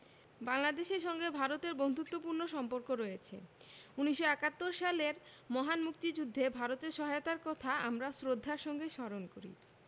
বাংলাদেশের সঙ্গে ভারতের বন্ধুত্তপূর্ণ সম্পর্ক রয়ছে ১৯৭১ সালের মহান মুক্তিযুদ্ধে ভারতের সহায়তার কথা আমরা শ্রদ্ধার সাথে স্মরণ করি